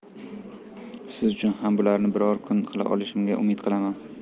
siz uchun ham bularni biror kun qila olishimga umid qilaman